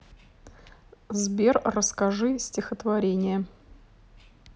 сбер расскажи стихотворение